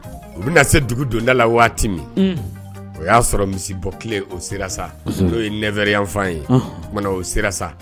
U bɛna na se dugu donda la waati min , unhun, o y'a sɔrɔ misi bɔ tile o sera sa ,n'o ye 9 heures yan fan ye, ɔnhɔn , o tumana u sera sa!